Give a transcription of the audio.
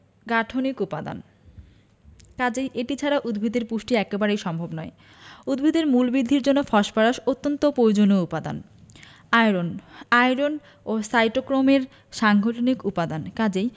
গাঠনিক উপাদান কাজেই এটি ছাড়া উদ্ভিদের পুষ্টি একেবারেই সম্ভব নয় উদ্ভিদের মূল বিদ্ধির জন্য ফসফরাস অত্যন্ত পয়োজনীয় উপাদান আয়রন আয়রন ও সাইটোক্রোমের সাংগঠনিক উপাদান কাজেই